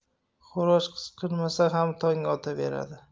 xo'roz qichqirmasa ham tong otaveradi